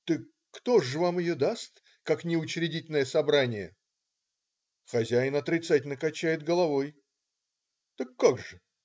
"- "Так кто же вам ее даст, как не Учредительное собрание?" Хозяин отрицательно качает головой. "Так как же?